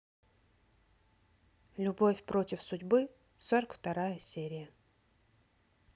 любовь против судьбы сорок вторая серия